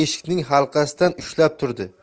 eshikning halqasidan ushlab turdi